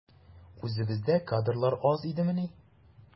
Үзебездә кадрлар аз идемени?